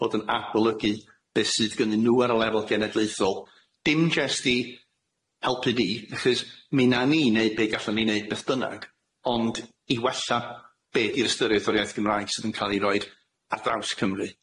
fod yn abolygu beth sydd gynnyn nw ar y lefel genedlaethol, dim jyst i helpu ni achos mi nawn ni neud be' gallwn ni neud beth bynnag, ond i wella be' di'r ystyriaeth o'r iaith Gymraeg sydd yn ca'l i roid ar draws Cymru.